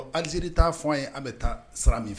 Ɔ Algérie t'a fɔ an ye an bɛ taa sira min f